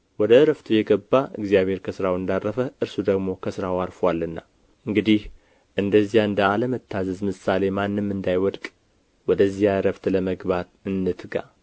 ወደ ዕረፍቱ የገባ እግዚአብሔር ከሥራው እንዳረፈ እርሱ ደግሞ ከሥራው አርፎአልና እንግዲህ እንደዚያ እንደ አለመታዘዝ ምሳሌ ማንም እንዳይወድቅ ወደዚያ ዕረፍት ለመግባት እንትጋ